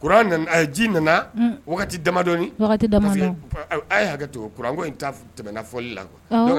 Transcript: Kuran ji nana wagati damadɔ a ye hakɛcogo kuranko in ta tɛmɛna fɔli la